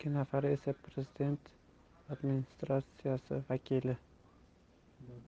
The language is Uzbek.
ikki nafari esa prezident administratsiyasi vakili